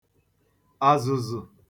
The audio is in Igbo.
àzụ̀zụ̀